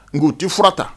G tɛ furata